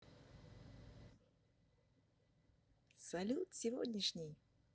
салют сегодняшний